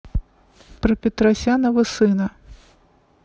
про петросянова сына